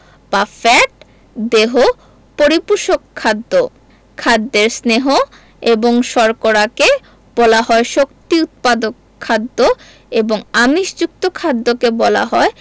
বা ফ্যাট দেহ পরিপোষক খাদ্য খাদ্যের স্নেহ এবং শর্করাকে বলা হয় শক্তি উৎপাদক খাদ্য এবং আমিষযুক্ত খাদ্যকে বলা হয়